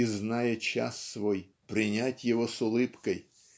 И, зная час свой, принять его с улыбкой